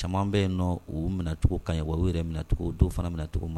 Caman bɛ yen u minɛcogo kanɲɛ woro yɛrɛ minɛcogo dɔw fana minɛ nacogo ma